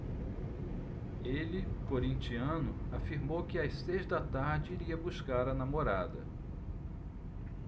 ele corintiano afirmou que às seis da tarde iria buscar a namorada